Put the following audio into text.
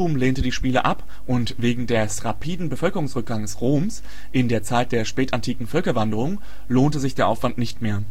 lehnte die Spiele ab, und wegen des rapiden Bevölkerungsrückgangs Roms in der Zeit der spätantiken Völkerwanderung lohnte sich der Aufwand nicht mehr